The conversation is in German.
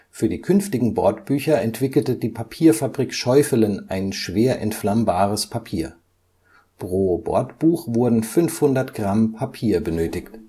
Für die künftigen Bordbücher entwickelte die Papierfabrik Scheufelen ein schwer entflammbares Papier. Pro Bordbuch wurden 500 Gramm Papier benötigt